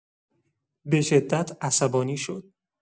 به‌شدت عصبانی شد.